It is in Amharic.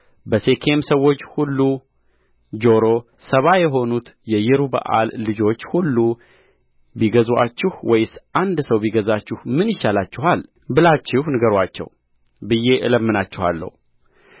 በሴኬም ሰዎች ሁሉ ጆሮ ሰባ የሆኑት የይሩበኣል ልጆች ሁሉ ቢገዙአችሁ ወይስ አንድ ሰው ቢገዛችሁ ምን ይሻላችኋል ብላችሁ ንገሩአቸው ብዬ እለምናችኋለሁ